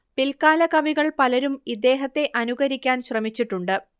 പിൽക്കാല കവികൾ പലരും ഇദ്ദേഹത്തെ അനുകരിക്കാൻ ശ്രമിച്ചിട്ടുണ്ട്